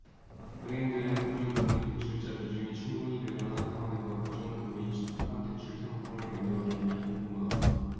은행들은 고정금리대출자 비중이 충분히 늘어난 상황에서 고정금리 특판 대출상품을 내놓을 계획이 당분간 없다